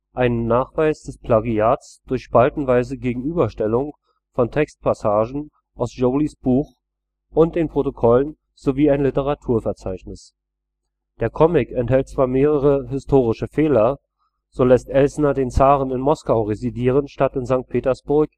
einen Nachweis des Plagiats durch spaltenweise Gegenüberstellung von Textpassagen aus Jolys Buch und den Protokollen sowie ein Literaturverzeichnis. Der Comic enthält zwar mehrere historische Fehler – so lässt Eisner den Zaren in Moskau residieren statt in St. Petersburg